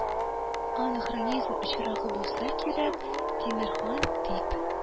Анахронизм очрагы булса кирәк, тимер хан дип